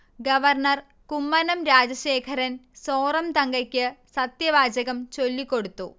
governor Kummanam Rajasekharan സോറംതങ്കയ്ക്ക് സത്യവാചകം ചൊല്ലിക്കൊടുത്തു